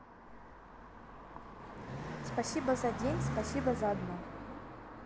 спасибо за день спасибо за одно